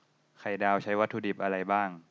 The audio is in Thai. ไข่ดาวใช้วัตถุดิบอะไรบ้าง